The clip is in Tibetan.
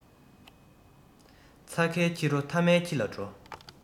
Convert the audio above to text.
ཚྭ ཁའི ཁྱི རོ མཐའ མ ཁྱི ལ འགྲོ